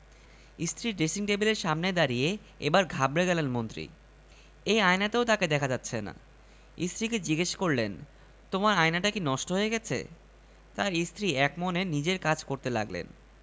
আয়নায় তাঁকে দেখা যাচ্ছে না কী আশ্চর্য আয়নায় কাউকেই দেখা যাচ্ছে না আয়নাটা নষ্ট হয়ে গেছে ভেবে স্ত্রীর ঘরে গেলেন তিনি তাঁর স্ত্রী তাঁকে দেখলেন কিন্তু কোনো ভাবান্তর নেই